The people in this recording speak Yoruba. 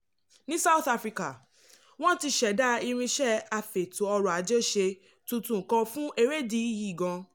Ní South Africa, wọ́n ti ṣẹ̀dá irinṣẹ́ afètò-ọrọ̀-ajé-ṣe tuntun kan fún erédìí yìí gan.